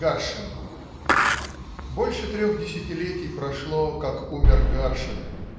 Гаршин Больше трех десятилетий прошло как умер Гаршин